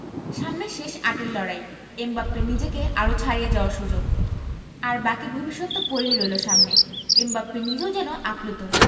সামনে শেষ আটের লড়াই এমবাপ্পের নিজেকে আরও ছাড়িয়ে যাওয়ার সুযোগ আর বাকি ভবিষ্যৎ তো পড়েই রইল সামনে এমবাপ্পে নিজেও যেন আপ্লুত